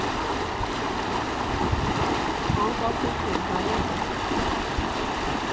Անկախություն, հա, ի՞նչ։